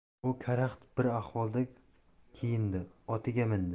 u karaxt bir ahvolda kiyindi otiga mindi